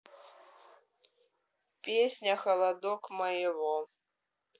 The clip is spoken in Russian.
песня холодок моего